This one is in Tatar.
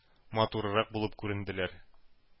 Матуррак булып күренделәр.